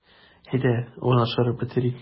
Әйдә, урнаштырып бетерик.